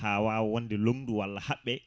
ha wawa wonde longdu walla haɓɓe